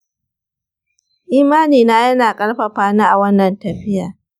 imanina yana ƙarfafa ni a wannan tafiya.